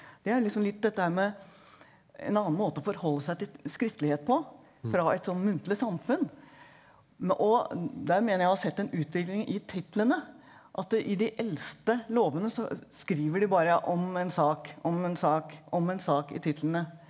det er liksom litt dette her med en annen måte å forholde seg til skriftlighet på fra et sånn muntlig samfunn og der mener jeg å ha sett en utvikling i titlene at i de eldste lovene så skriver de bare om en sak, om en sak, om en sak i titlene.